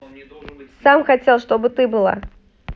сам хотел чтобы ты была